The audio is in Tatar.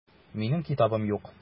Минем китабым юк.